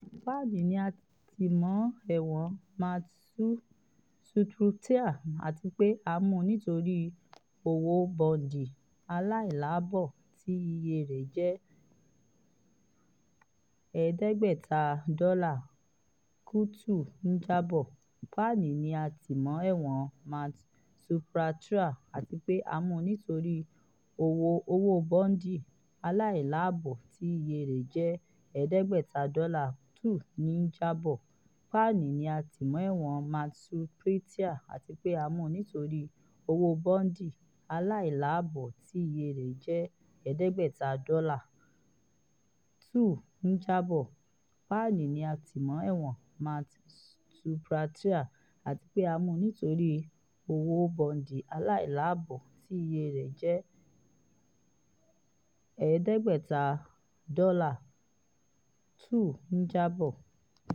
Palin ni a tìmọ́ èwọ̀n Mat-Su Pretrial àti pé a mu nítorí owó bọndi aílàlábọ̀ tií iye rẹ̀ jẹ́ $500, KTUU ń jábọ̀